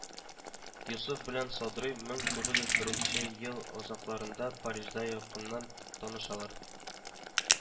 Йосыф белән Садрый мең тугыз йөз беренче ел азакларында Парижда якыннан танышалар